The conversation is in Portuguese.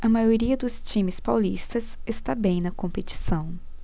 a maioria dos times paulistas está bem na competição